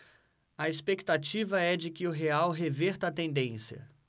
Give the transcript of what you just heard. a expectativa é de que o real reverta a tendência